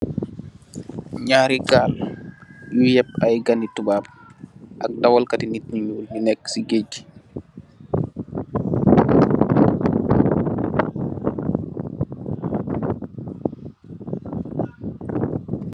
Ñarri gal yu eb ay gani tubaab. Ak dawal kati nit ku ñuul ki neek si geeg gi.